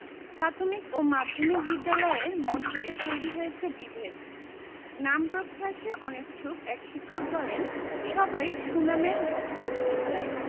প্রাথমিক ও মাধ্যমিক বিদ্যালয়ের মধ্যে তৈরি হয়েছে বিভেদ নাম প্রকাশে অনিচ্ছুক এক শিক্ষক বললেন সবাই সুনামের ভাগীদার হতে চায়